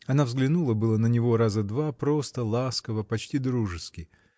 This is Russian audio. Она взглянула было на него раза два просто, ласково, почти дружески.